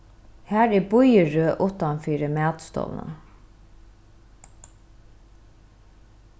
har er bíðirøð uttan fyri matstovuna